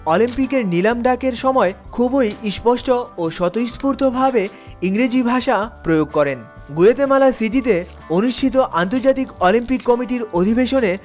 অলিম্পিকের নিলাম ডাকের সময় খুবই স্পষ্ট ও স্বতঃস্ফূর্তভাবে ইংরেজি ভাষা প্রয়োগ করেন গুয়েতেমালা সিটিতে অনুষ্ঠিত আন্তর্জাতিক অলিম্পিক কমিটির অধিবেশনে